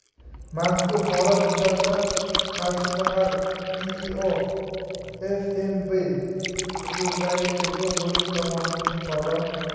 mazkur holat yuzasidan qarshi shahar iio fmb huzuridagi tergov bo'limi tomonidan fuqaro